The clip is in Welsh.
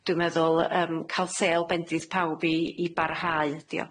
Dwi'n meddwl yym ca'l sêl bendith pawb i i barhau ydi o.